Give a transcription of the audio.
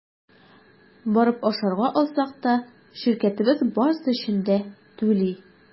Барып ашарга алсак та – ширкәтебез барысы өчен дә түли.